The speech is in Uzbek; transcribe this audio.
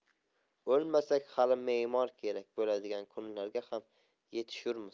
o'lmasak hali memor kerak bo'ladigan kunlarga ham yetishurmiz